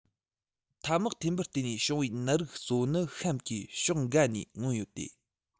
ཐ མག འཐེན པར བརྟེན ནས བྱུང བའི ནད རིགས གཙོ བོ ནི གཤམ གྱི ཕྱོགས འགའ ནས མངོན ཡོད དེ